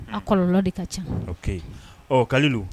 A kɔlɔlɔ de ka ca, ok ,ɔ Kalilu